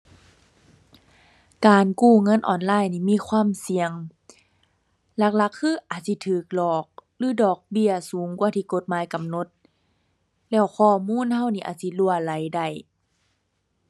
การกู้เงินออนไลน์นี่มีความเสี่ยง หลักหลักคืออาจสิถูกหลอก หรือดอกเบี้ยสูงกว่าที่กฎหมายกำหนด แล้วข้อมูลถูกนี่อาจสิรั่วไหลได้